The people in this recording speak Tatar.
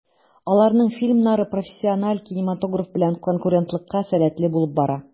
Аларның фильмнары профессиональ кинематограф белән конкурентлыкка сәләтле булып бара.